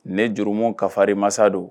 Ne jurumu karin masasa don